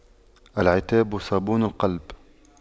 العتاب صابون القلب